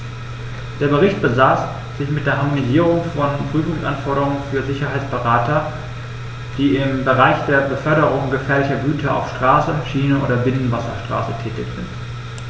Der Bericht befasst sich mit der Harmonisierung von Prüfungsanforderungen für Sicherheitsberater, die im Bereich der Beförderung gefährlicher Güter auf Straße, Schiene oder Binnenwasserstraße tätig sind.